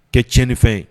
Kɛ tiɲɛ ne fɛ